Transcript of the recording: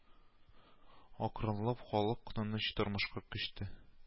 Акрынлап халык тыныч тормышка күчте